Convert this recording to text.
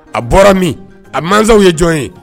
A bɔra min a mɔnw ye jɔn ye